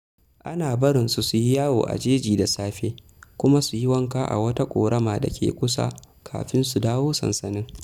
Ana barinsu su yi yawo a jeji da safe kuma su yi wanka a wata ƙorama da ke kusa kafin su dawo sansanin.